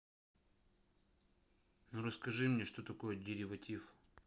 ну расскажи мне что такое дериватив